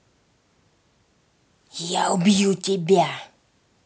я убью тебя